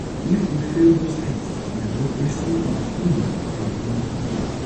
If we fail those tests, democracy will be in for a long winter.